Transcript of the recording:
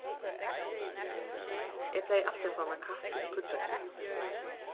eg plagi altíð at fáa mær kaffi um tíggjutíðina